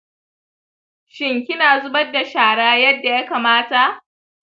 shin kina zubar da shara yadda ya kamata?